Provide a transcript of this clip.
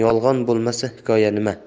yolg'on bo'lmasa hikoya nima